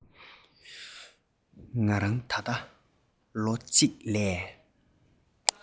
ང རང ད ལྟ ལོ གཅིག ལས